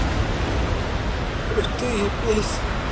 крутые песни